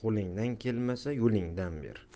qo'lingdan kelmasa yo'lingdan ber